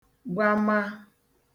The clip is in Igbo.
gwamaa